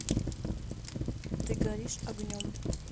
ты горишь огнем